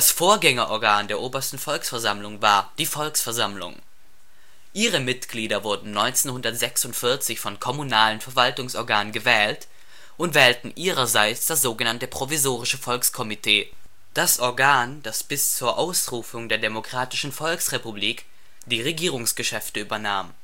Vorgängerorgan der Obersten Volksversammlung war die Volksversammlung. Ihre Mitglieder wurden 1946 von kommunalen Verwaltungsorganen gewählt und wählten ihrerseits das so genannte Provisorische Volkskomitee, das Organ, das bis zur Ausrufung der Demokratischen Volksrepublik die Regierungsgeschäfte übernahm